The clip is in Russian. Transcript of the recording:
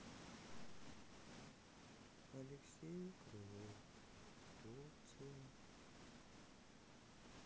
алексей крылов турция